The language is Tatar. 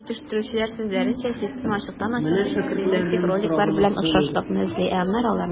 Җитештерүчеләр сүзләренчә, система ачыктан-ачык экстремистик роликлар белән охшашлыкны эзли, ә аннары аларны бетерә.